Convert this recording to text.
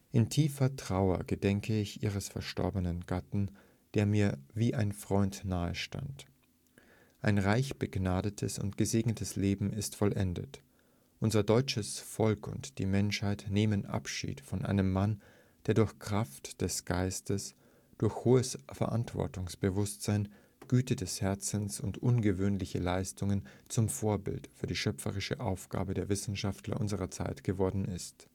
In tiefer Trauer gedenke ich Ihres verstorbenen Gatten, der mir wie ein Freund nahestand. Ein reich begnadetes und gesegnetes Leben ist vollendet. Unser deutsches Volk und die Menschheit nehmen Abschied von einem Mann, der durch die Kraft des Geistes, durch hohes Verantwortungsbewusstsein, Güte des Herzens und ungewöhnliche Leistungen zum Vorbild für die schöpferische Aufgabe der Wissenschaftler unserer Zeit geworden ist